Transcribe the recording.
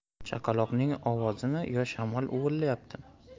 chaqaloqning ovozimi yo shamol uvillayaptimi